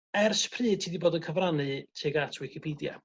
ers pryd ti 'di bod yn cyfrannu tuag at Wicipedia